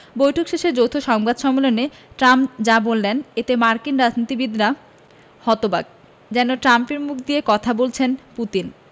বৈঠক শেষে যৌথ সংবাদ সম্মেলনে ট্রাম্প যা বললেন এতে মার্কিন রাজনীতিবিদেরা হতবাক যেন ট্রাম্পের মুখ দিয়ে কথা বলছেন পুতিন